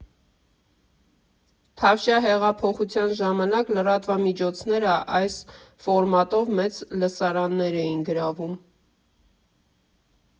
Թավշյա հեղափոխության ժամանակ լրատվամիջոցները այս ֆորմատով մեծ լսարաններ էին գրավում.